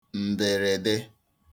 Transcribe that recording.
mberede